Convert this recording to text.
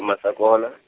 Masakona.